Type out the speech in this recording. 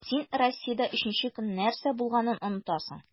Син Россиядә өченче көн нәрсә булганын онытасың.